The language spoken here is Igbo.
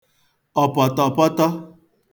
ọpọtọpọtọ